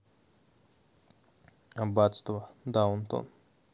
аббатство даунтон